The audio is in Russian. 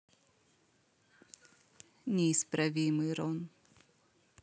неисправимый рон